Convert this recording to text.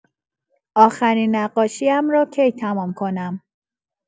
آخرین نقاشی‌ام را کی تمام کنم؟